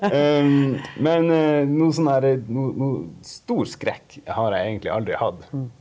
men noe sånn derre noe noe stor skrekk har jeg egentlig aldri hatt.